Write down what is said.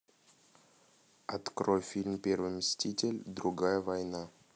открой фильм первый мститель другая война